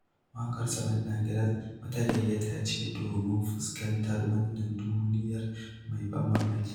Waƙar "Saɓannah Grass" wata gayyata ce domin fuskantar wannan duniyar mai ban mamaki.